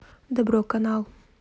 добро канал